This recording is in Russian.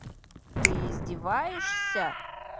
ты издиваешься